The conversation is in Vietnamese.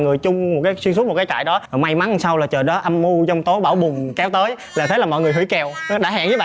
người chung một cái xuyên suốt một cái trại đó may mắn sao trời đó âm u giông tố bão bùng kéo tới thế là mọi người hủy kèo đã hẹn với bạn